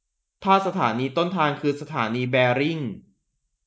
ถ้าสถานีต้นทางคือสถานีแบริ่ง